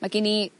Ma' gin i